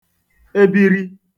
ebiri